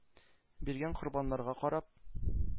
Биргән корбаннарга карап